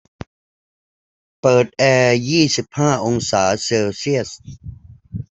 เปิดแอร์ยี่สิบห้าองศาเซลเซียส